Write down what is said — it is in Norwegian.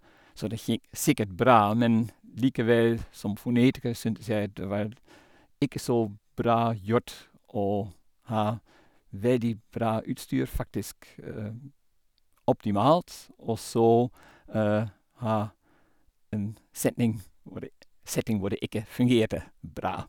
Så det gikk sikkert bra, men likevel, som fonetiker syntes jeg at det var l ikke så bra gjort å ha veldig bra utstyr, faktisk optimalt, og så ha en setning hvor det setting hvor det ikke fungerte bra.